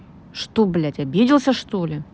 что блядь обиделся что ли